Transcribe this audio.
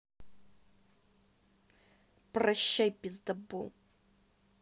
прощай пиздабол